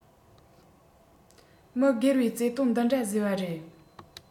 མི སྒེར བའི བརྩེ དུང འདི འདྲ བཟོས པ རེད